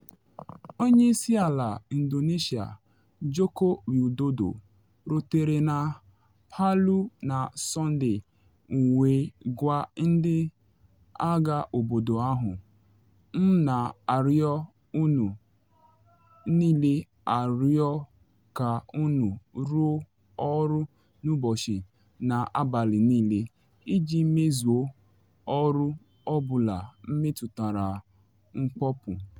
Onye isi ala Indonesia Joko Widodo rutere na Palu na Sọnde wee gwa ndị agha obodo ahụ: “M na arịọ unu niile arịọrọ ka unu rụọ ọrụ n’ụbọchị na abalị niile iji mezuo ọrụ ọ bụla metụtara mkpopu.